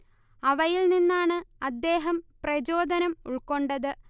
അവയിൽ നിന്നാണ് അദ്ദേഹം പ്രചോദനം ഉൾക്കൊണ്ടത്